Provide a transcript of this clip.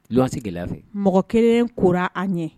Luwanti gɛlɛya fɛ, mɔgɔ kelen kora an ye.